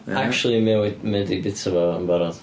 Acshyli mae o we- mae o 'di bwyta fo yn barod.